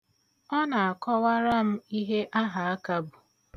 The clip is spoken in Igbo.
Ọ na-akọwara m ihe ahaaka bụ.